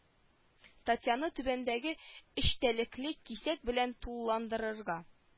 Статьяны түбәндәге эчтәлекле кисәк белән тулыландырырга